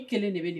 Ni kelen de bɛ